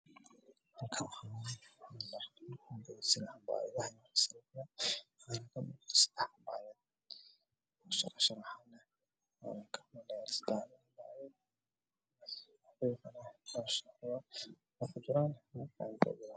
Waa sedax saako oo kala nooc duwan